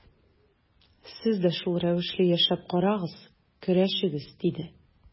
Сез дә шул рәвешле яшәп карагыз, көрәшегез, диде.